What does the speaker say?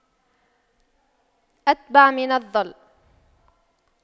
أتبع من الظل